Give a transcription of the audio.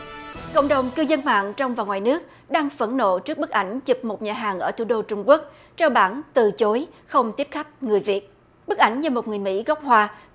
cộng đồng cư dân mạng trong và ngoài nước đang phẫn nộ trước bức ảnh chụp một nhà hàng ở thủ đô trung quốc trao bảng từ chối không tiếp khách người việt bức ảnh như một người mỹ gốc hoa